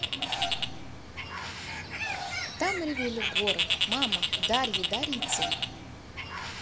там ревели горы мама дарьи дарите